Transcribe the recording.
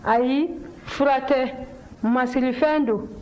ayi fura tɛ masirifɛn don